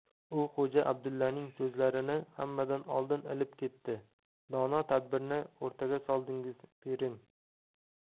u xo'ja abdullaning so'zlarini hammadan oldin ilib ketdi dono tadbirni o'rtaga soldingiz pirim